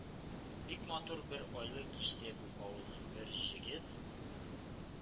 Бик матур бер айлы кичтә бу авылның бер Җегет